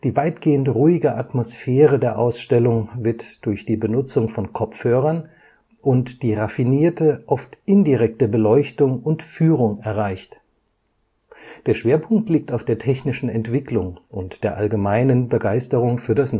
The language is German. weitgehend ruhige Atmosphäre der Ausstellung wird durch die Benutzung von Kopfhörern und die raffinierte, oft indirekte Beleuchtung und Führung erreicht. Der Schwerpunkt liegt auf der technischen Entwicklung und der allgemeinen Begeisterung für das